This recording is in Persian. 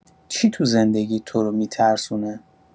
چی تو زندگیت تو رو می‌ترسونه؟